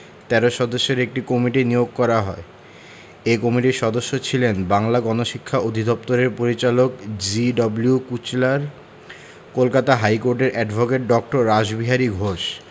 ১৩ সদস্যের একটি কমিটি নিয়োগ করা হয় এ কমিটির সদস্য ছিলেন বাংলার গণশিক্ষা অধিদপ্তরের পরিচালক জি.ডব্লিউ কুচলার কলকাতা হাইকোর্টের অ্যাডভোকেট ড. রাসবিহারী ঘোষ